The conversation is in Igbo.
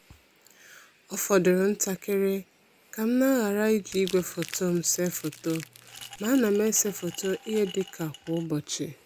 Ọ fọdụrụ ntakịrị ka m na-aghara ịji igwe foto m see foto ma ana m ese foto ihe dịka kwa ụbọchị.